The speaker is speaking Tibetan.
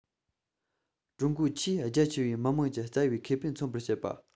ཀྲུང གོའི ཆེས རྒྱ ཆེ བའི མི དམངས ཀྱི རྩ བའི ཁེ ཕན མཚོན པར བྱེད པ